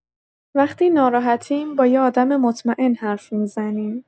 وقتی ناراحتیم با یه آدم مطمئن حرف می‌زنیم.